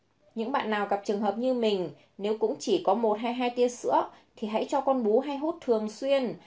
những bạn nào gặp trường hợp như mình nếu cũng chỉ có hay tia sữa thì hãy cho con bú hay hút thường xuyên